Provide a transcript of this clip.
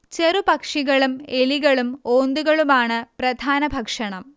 ചെറു പക്ഷികളും എലികളും ഓന്തുകളുമാണ് പ്രധാന ഭക്ഷണം